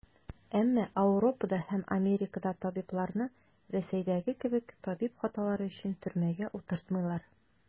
Әмма Ауропада һәм Америкада табибларны, Рәсәйдәге кебек, табиб хаталары өчен төрмәгә утыртмыйлар.